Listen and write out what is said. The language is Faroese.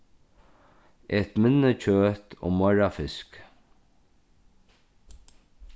et minni kjøt og meira fisk